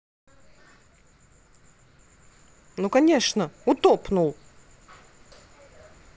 ну конечно утопнул